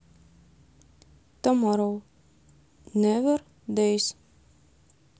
томорров невер дайс